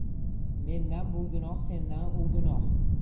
mendan bu gunoh sendan u gunoh